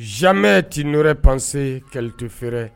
Zime tɛ nore panse kɛlɛlito feereɛrɛ